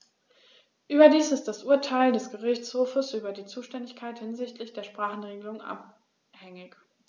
Überdies ist das Urteil des Gerichtshofes über die Zuständigkeit hinsichtlich der Sprachenregelung anhängig.